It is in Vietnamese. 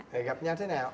thì gặp nhau thế nào